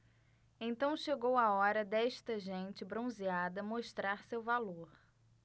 então chegou a hora desta gente bronzeada mostrar seu valor